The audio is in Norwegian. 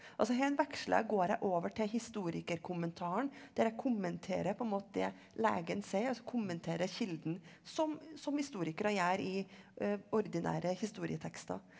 altså her veksler jeg går jeg over til historikerkommentaren der jeg kommenterer på en måte det legen sier, altså kommenterer kilden som som historikere gjør i ordinære historietekster.